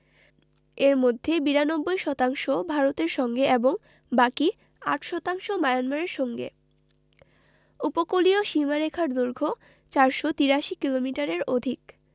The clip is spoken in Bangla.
এর মধ্যে ৯২ শতাংশ ভারতের সঙ্গে এবং বাকি ৮ শতাংশ মায়ানমারের সঙ্গে উপকূলীয় সীমারেখার দৈর্ঘ্য ৪৮৩ কিলোমিটারের অধিক